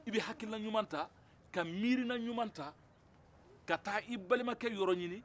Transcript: i bɛ hakilinan ɲuman taa ka miirinan ɲuman taa ka taa i balimakɛ yɔrɔ ɲini